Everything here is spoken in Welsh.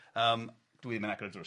...yym dwi'm yn agor drws.